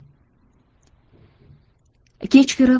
kech kirib